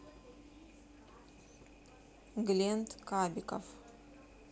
глент кабиков